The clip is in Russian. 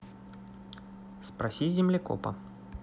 спроси землекопа